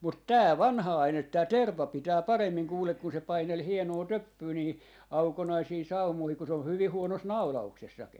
mutta tämä vanha aine tämä terva pitää paremmin kuule kun se paineli hienoa töppyä niihin aukonaisiin saumoihin kun se oli hyvin huonossa naulauksessakin